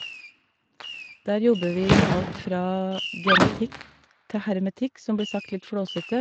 Der jobber vi med alt fra genetikk til hermetikk, som blir sagt litt flåsete.